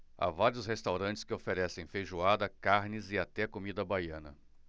há vários restaurantes que oferecem feijoada carnes e até comida baiana